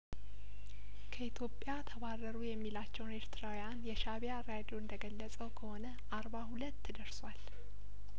ከኢትዮጵያ ተባረሩ የሚላቸውን ኤርትራውያን የሻእቢያራዲዮ እንደገለጠው ከሆነ አርባ ሁለት ደርሷል